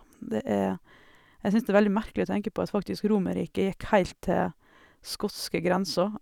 det er Jeg syns det er veldig merkelig å tenke på at faktisk Romerriket gikk heilt til skotske grensa.